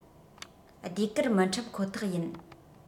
ཟློས གར མི འཁྲབ ཁོ ཐག ཡིན